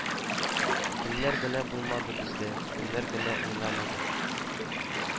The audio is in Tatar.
Кемнәр генә булмады бездә, кемнәр генә уйнамады